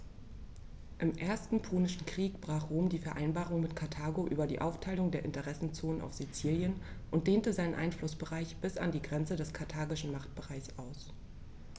Im Ersten Punischen Krieg brach Rom die Vereinbarung mit Karthago über die Aufteilung der Interessenzonen auf Sizilien und dehnte seinen Einflussbereich bis an die Grenze des karthagischen Machtbereichs aus.